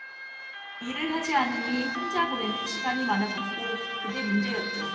일을 하지 않으니 혼자 보내는 시간이 많아졌고 그게 문제였죠